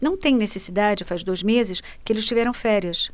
não tem necessidade faz dois meses que eles tiveram férias